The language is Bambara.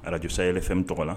Arajisa yɛlɛ fɛn tɔgɔ la